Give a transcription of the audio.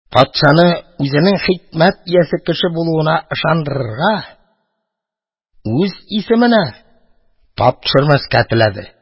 Патшаны үзенең хикмәт иясе кеше булуына ышандырырга, үз исеменә тап төшермәскә теләде